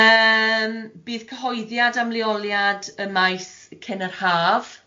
Yym bydd cyhoeddiad am leoliad y maes cyn yr haf.